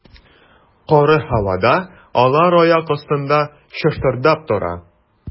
Коры һавада алар аяк астында чыштырдап тора.